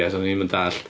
Doeddwn i ddim yn dallt.